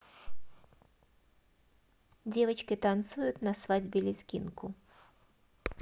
девочки танцуют на свадьбе лезгинку